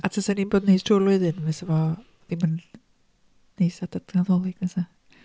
A tasan ni'n bod yn neis trwy'r flwyddyn, fysa fo ddim yn neis adag Nadolig na 'sa?